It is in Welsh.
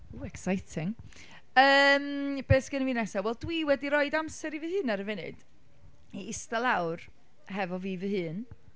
Ww, exciting. Yym, be sgynna fi nesa? Wel, dwi wedi rhoid amser i fy hun ar y funud, i ista lawr hefo fi fy hun...